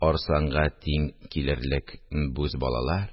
Арысланга тиң килерлек бүз балалар